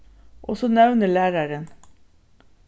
og so nevnir lærarin